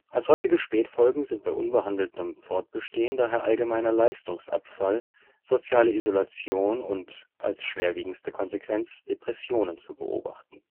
Als häufige Spätfolgen sind bei unbehandeltem Fortbestehen daher allgemeiner Leistungsabfall, soziale Isolation und – als schwerwiegendste Konsequenz – Depressionen zu beobachten